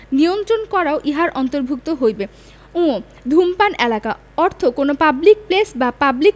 নিয়ন্ত্রণ করাও ইহার অন্তর্ভুক্ত হইবে ঙ ধূমপান এলাকা অর্থ কোন পাবলিক প্লেস বা পাবলিক